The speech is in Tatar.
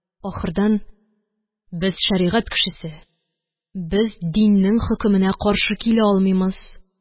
Ахырдан: – Без – шәригать кешесе, без диннең хөкеменә каршы килә алмыймыз.